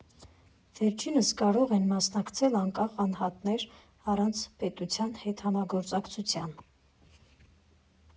Վերջինիս կարող են մասնակցել անկախ անհատներ՝ առանց պետության հետ համագործակցության։